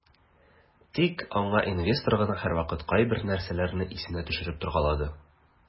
Тик аңа инвестор гына һәрвакыт кайбер нәрсәләрне исенә төшереп торгалады.